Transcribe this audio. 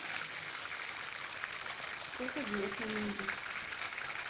сколько звезд на небе